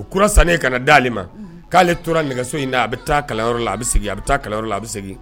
U kura sa ka na di ma k'ale tora nɛgɛso in da a bɛ taa kalanyɔrɔ la a bɛ segin a bɛ taa kalanyɔrɔ la a bɛ segin